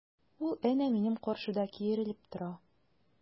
Ул әнә минем каршыда киерелеп тора!